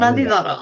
Ma'n ddiddorol.